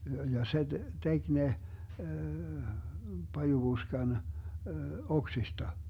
ja se teki ne pajupuskan oksista